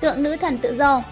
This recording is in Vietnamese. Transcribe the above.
tượng nữ thần tự do